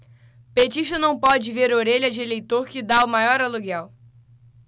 petista não pode ver orelha de eleitor que tá o maior aluguel